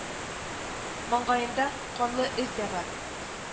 Маңгаенда канлы эз дә бар